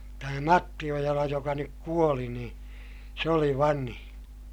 tämä Matti Ojala joka nyt kuoli niin se oli vanhin